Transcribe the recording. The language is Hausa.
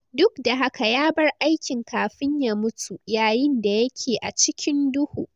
Duk da haka, ya bar aikin kafin ya mutu, yayin da yake "a cikin duhu."